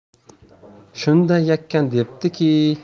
shunda yakan debdi ki